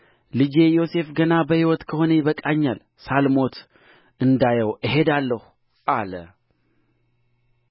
ልጄ ዮሴፍ ገና በሕይወት ከሆነ ይበቃኛል ሳልሞት እንዳየው እሄዳለሁ አለ